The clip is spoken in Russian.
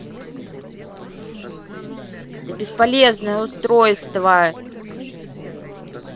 ты бесполезное устройство